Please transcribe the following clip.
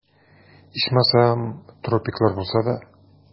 Ичмасам, тропиклар булса да...